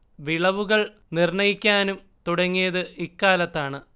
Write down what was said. വിളവുകൾ നിർണ്ണയിക്കാനും തുടങ്ങിയത് ഇക്കാലത്താണ്